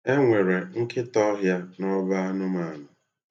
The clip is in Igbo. E nwere nkịtaọhịa n'ọba anụmanụ.